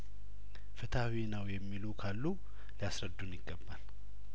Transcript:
ፍትሀዊ ነው የሚሉ ካሉ ሊያስረዱን ይገባል